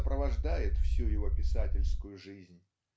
сопровождает всю его писательскую жизнь.